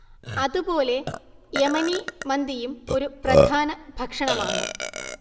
അത് പോലെ യെമനി മന്തിയും ഒരു പ്രധാന ഭക്ഷണമാണ്